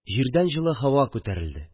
Җирдән җылы һава күтәрелде